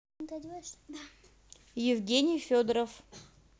евгений федоров